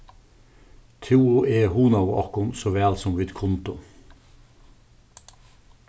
tú og eg hugnaðu okkum so væl sum vit kundu